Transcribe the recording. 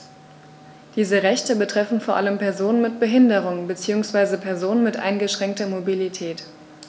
Diese Rechte betreffen vor allem Personen mit Behinderung beziehungsweise Personen mit eingeschränkter Mobilität.